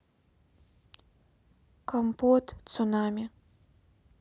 компот цунами